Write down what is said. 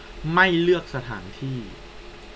ไม่เลือกสถานที่